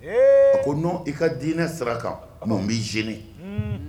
A ko n' i ka diinɛ sira kan n bɛ z